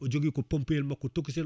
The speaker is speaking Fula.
o jogui ko pompe yel makko tokosel